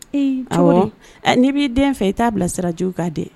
Ee ɔwɔ n'i b'i den fɛ i t'a bilasiraj kan dɛ